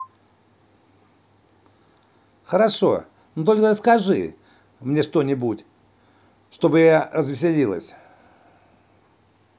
хорошо но только расскажи мне что нибудь чтобы я развеселилась